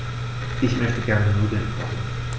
Ich möchte gerne Nudeln kochen.